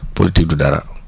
politique du dara